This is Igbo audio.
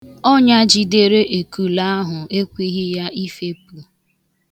Onya jidere ekulu ahụ ekweghị ya ifepu.